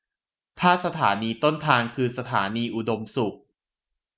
ถ้าสถานีต้นทางคือสถานีอุดมสุข